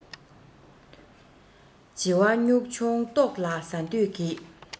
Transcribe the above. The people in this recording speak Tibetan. བྱི བ སྨྱུག ཆུང ལྟོགས ལ ཟ འདོད ཀྱིས